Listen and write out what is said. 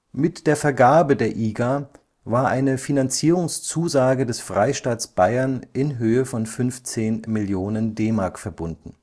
Mit der Vergabe der IGA war eine Finanzierungszusage des Freistaats Bayern in Höhe von 15 Millionen DM verbunden